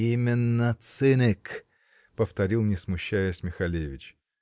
-- Именно цынык, -- повторил, не смущаясь, Михалевич.